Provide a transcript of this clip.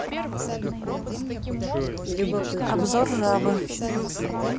обзор жабы